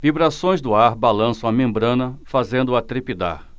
vibrações do ar balançam a membrana fazendo-a trepidar